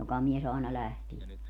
jokamies aina lähtee